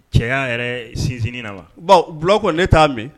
Cɛya yɛrɛ sinsinnin na wa ? Bon dulɔ kɔni ne t'a min